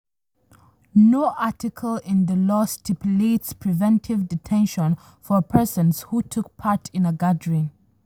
No article in the law stipulates preventive detention for persons who took part in a gathering.